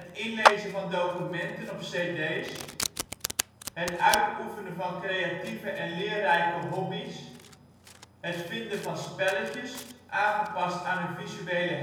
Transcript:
inlezen van documenten op CD 's; het uitoefenen van creatieve en leerrijke hobby 's; het vinden van spelletjes, aangepast aan hun visuele